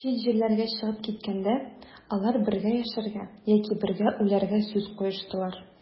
Чит җирләргә чыгып киткәндә, алар бергә яшәргә яки бергә үләргә сүз куештылар.